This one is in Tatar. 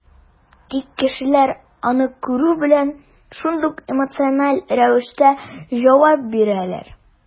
Тик кешеләр, аны күрү белән, шундук эмоциональ рәвештә җавап бирәләр.